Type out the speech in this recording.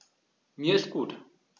Mir ist gut.